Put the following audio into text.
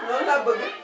loolu laa bëgg